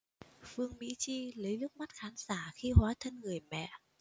phương mỹ chi lấy nước mắt khán giả khi hóa thân người mẹ